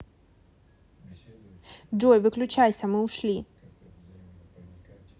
джой выключайся мы ушли